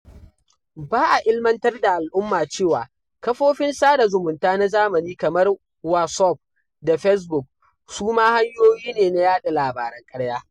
Ba a ilmantar da al'umma cewa; kafofin sada zumunta na zamani kamar Wasof da Fesbuk su ma hanyoyi ne na yaɗa labaran ƙarya.